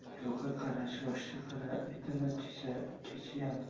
yo'g' e qarish yoshga qaraydimi kuchgami